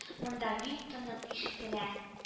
Монда бик тонык ишетелә